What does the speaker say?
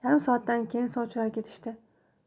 yarim soatdan keyin sovchilar ketishdi